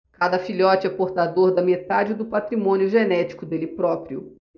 cada filhote é portador da metade do patrimônio genético dele próprio